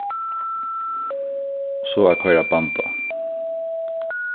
og so at koyra band á